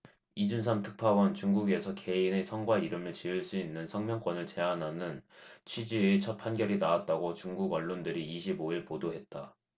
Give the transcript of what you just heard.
이준삼 특파원 중국에서 개인의 성과 이름을 지을 수 있는 성명권을 제한하는 취지의 첫 판결이 나왔다고 중국언론들이 이십 오 일 보도했다